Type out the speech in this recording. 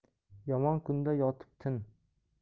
yomon kunda yotib tin